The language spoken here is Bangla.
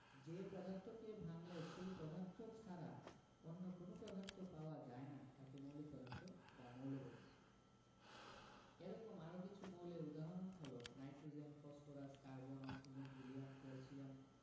যে পদার্থকে ভাঙলে সেই পদার্থ ছাড়া অন্য কোনো পদার্থ পাওয়া যায় না তাকে মৌলিক পদার্থ বা মৌল বলে এরকম আরও কিছু মৌলের উদাহরণ হলো nitrogen phosphorus carbon oxygen helium calcium